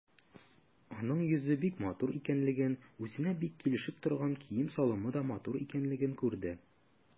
Аның йөзе бик матур икәнлеген, үзенә бик килешеп торган кием-салымы да матур икәнлеген күрде.